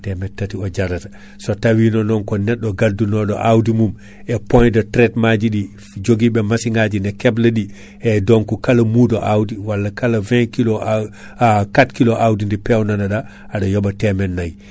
temettati o jaarata so tawino non ko neɗɗo gaddunoɗo awdi mum e point de traitement ji ɗi joguiɓe massiŋaji ne kebla ɗi eyyi donc kala mudo awdi walla kala 20K aw 4k awdi ndi pewnane ɗa aɗa yoɓa temet nayyi